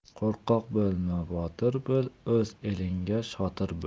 qo'rqoq bo'lma botir bo'l o'z elinga shotir bo'l